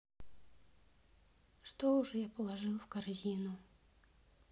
что уже я положил в корзину